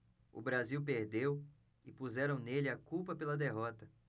o brasil perdeu e puseram nele a culpa pela derrota